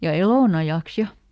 ja elonajaksi ja